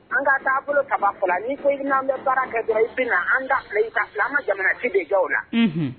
An ka taabolo bolo kaba fɔ la n' fɔ i' an bɛ baara kɛ jɔ i an i an ka jamana bɛ ja la